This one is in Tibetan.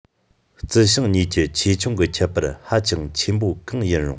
རྩི ཤིང གཉིས ཀྱི ཆེ ཆུང གི ཁྱད པར ཧ ཅང ཆེན པོ གང ཡིན རུང